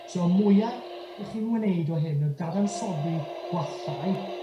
So mwy 'ych chi'n wneud o hyn, o dadansoddi gwallau